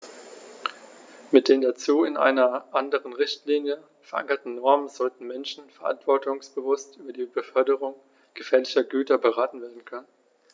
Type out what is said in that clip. Mit den dazu in einer anderen Richtlinie, verankerten Normen sollten Menschen verantwortungsbewusst über die Beförderung gefährlicher Güter beraten werden können.